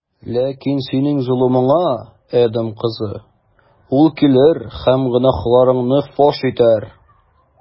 Ләкин синең золымыңа, Эдом кызы, ул килер һәм гөнаһларыңны фаш итәр.